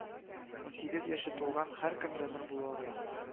Ун сигез яше тулган һәркем донор була ала